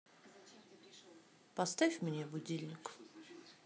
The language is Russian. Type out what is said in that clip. поставь мне будильник